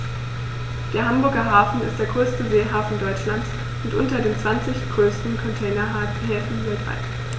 Der Hamburger Hafen ist der größte Seehafen Deutschlands und unter den zwanzig größten Containerhäfen weltweit.